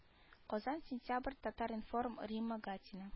Казан сентябрь татар-информ римма гатина